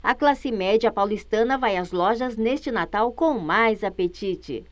a classe média paulistana vai às lojas neste natal com mais apetite